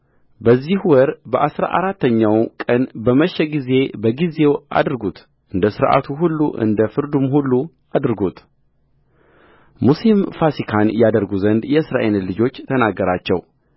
በዚህ ወር በአሥራ አራተኛው ቀን በመሸ ጊዜ በጊዜው አድርጉት እንደ ሥርዓቱ ሁሉ እንደ ፍርዱም ሁሉ አድርጉትሙሴም ፋሲካን ያደርጉ ዘንድ የእስራኤልን ልጆች ተናገራቸው